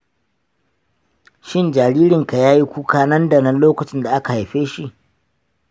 shin jaririnki ya yi kuka nan da nan lokacin da aka haife shi?